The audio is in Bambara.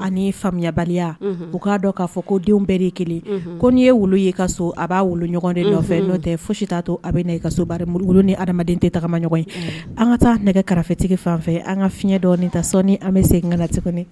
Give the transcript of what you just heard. ani faamuyayabaliya o k'a dɔn k'a fɔ ko denw bɛɛ de kelen ko n'i ye wolo y' ka so a b'a wu ɲɔgɔn de dɔfɛ dɔ tɛ foyi si t'a to a bɛ na i ka soba mul ni hadamaden tɛ tagama ɲɔgɔn ye an ka taa nɛgɛ karafetigi fan fɛ an ka fiɲɛ dɔ ni ta sɔɔni an bɛ segin kana nati kɔni